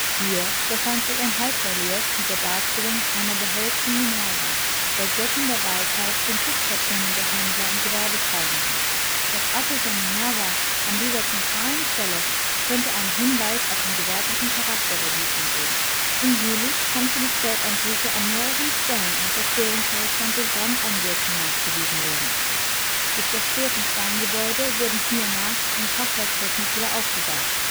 Hier befand sich ein Halbrelief mit der Darstellung einer behelmten Minerva, der Göttin der Weisheit und Schutzpatronin der Händler und Gewerbetreibenden. Das Abbild der Minerva an dieser zentralen Stelle könnte einen Hinweis auf den gewerblichen Charakter der Siedlung geben. In Jülich kann für die Spätantike an mehreren Stellen ein Zerstörungshorizont durch Brandeinwirkung nachgewiesen werden. Die zerstörten Steingebäude wurden hiernach in Fachwerktechnik wieder aufgebaut